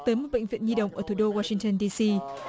tới một bệnh viện nhi đồng ở thủ đô oa sinh tơn đi xi